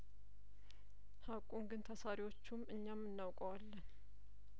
ሀቁን ግን ታሳሪዎቹም እኛም እናውቀዋለን